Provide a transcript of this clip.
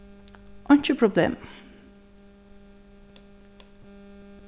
einki problem